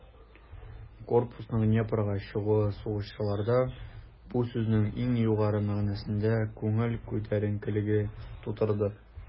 Корпусның Днепрга чыгуы сугышчыларда бу сүзнең иң югары мәгънәсендә күңел күтәренкелеге тудырды.